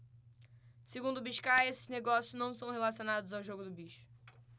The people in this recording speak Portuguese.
segundo biscaia esses negócios não são relacionados ao jogo do bicho